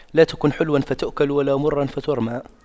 لا تكن حلواً فتؤكل ولا مراً فترمى